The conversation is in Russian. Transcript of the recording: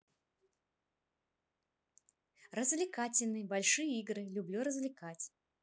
развлекательный большие игры люблю развлекать